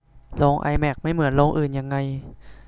โรงไอแม็กซ์ไม่เหมือนโรงอื่นยังไง